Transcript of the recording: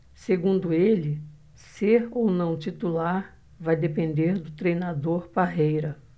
segundo ele ser ou não titular vai depender do treinador parreira